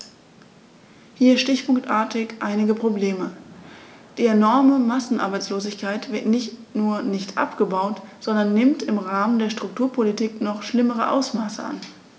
Hier stichpunktartig einige Probleme: Die enorme Massenarbeitslosigkeit wird nicht nur nicht abgebaut, sondern nimmt im Rahmen der Strukturpolitik noch schlimmere Ausmaße an.